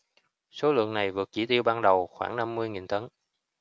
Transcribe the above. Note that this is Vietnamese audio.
số lượng này vượt chỉ tiêu ban đầu khoảng năm mươi nghìn tấn